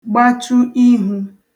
gbachu ihū